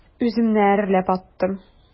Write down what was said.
Үземне әрләп аттым.